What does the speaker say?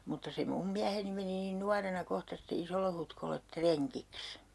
mutta se minun mieheni meni niin nuorena kohta sitten Isolle-Hutkolle rengiksi